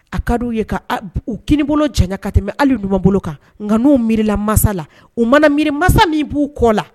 A ka' u ye ka uu k' bolo cɛn ka tɛmɛ hali ɲumanuma bolo kan nka n'u mila masala u mana mi masa min b'u kɔ la